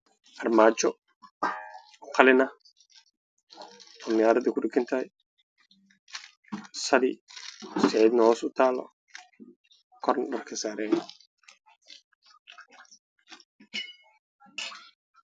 Waa armaajo midabkeedu yahay madow cadays